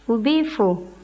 u b'i fo